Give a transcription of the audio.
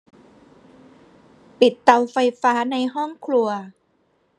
ปิดเตาไฟฟ้าในห้องครัว